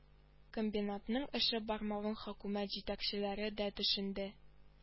Комбинатның эше бармавын хөкүмәт җитәкчеләре дә төшенде